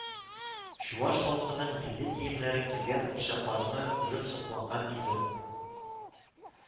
Чуаш халкының милли киемнәрен кигән курчакларны күреп сокланган идем